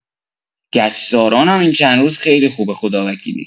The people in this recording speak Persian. گچسارانم این چند روز خیلی خوبه خداوکیلی